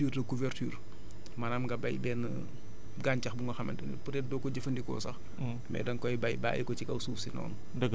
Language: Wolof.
donc dafay jaadu bu dee mën nga def culture de couverture maanaam nga béy benn gàncax bu nga xamante ne peut être doo ko jëfandikoo sax